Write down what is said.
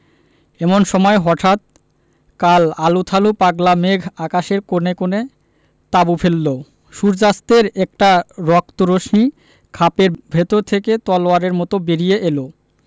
এমন সময় হঠাৎ কাল আলুথালু পাগলা মেঘ আকাশের কোণে কোণে তাঁবু ফেললো সূর্য্যাস্তের একটা রক্ত রশ্মি খাপের ভেতর থেকে তলোয়ারের মত বেরিয়ে এল